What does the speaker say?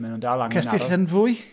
Mae nhw'n dal angen... Castell yn fwy?